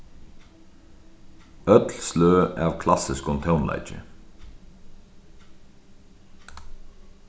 øll sløg av klassiskum tónleiki